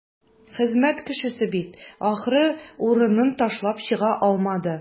Хезмәт кешесе бит, ахры, урынын ташлап чыга алмады.